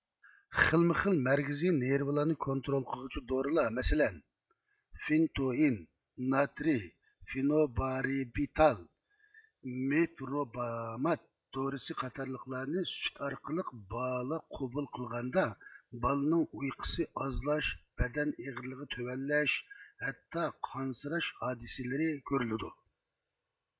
خىلمۇخىل مەركىزىي نېرۋىلارنى كونترول قىلغۇچى دورىلار مەسىلەن فېنتوئىن ناترىي فېنوباربىتال مېپروبامات دورىسى قاتارلىقلارنى سۈت ئارقىلىق بالا قوبۇل قىلغاندا بالىنىڭ ئۇيقۇسى ئازلاش بەدەن ئېغىرلىقى تۆۋەنلەش ھەتتا قانسىراش ھادىسىلىرى كۆرۈلىدۇ